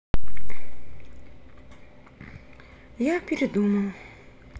я передумал